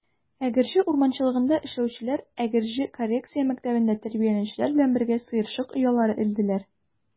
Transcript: Әгерҗе урманчылыгында эшләүчеләр Әгерҗе коррекция мәктәбендә тәрбияләнүчеләр белән бергә сыерчык оялары элделәр.